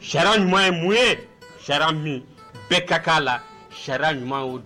Sariya ɲuman ye mun ye sariya min bɛɛ ka k'a la sariya ɲuman o don.